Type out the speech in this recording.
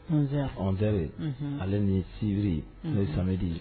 Ale ni ye siduri neo ye sadi ye